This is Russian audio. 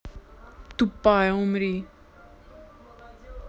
тупая умри